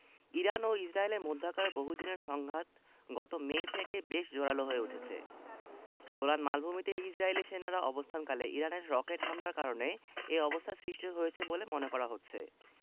Iran ও ইসরায়েলের মধ্যকার বহুদিনের সংঘাত গত মে থেকে বেশ জোরালো হয়ে উঠেছে গোলান মালভূমিতে ইসরায়েলি সেনারা অবস্থানকালে ইরানের রকেট হামলার কারণে এ অবস্থার সৃষ্টি হয়েছে বলে মনে করা হচ্ছে